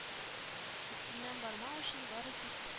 Өстеннән бармау өчен бары тик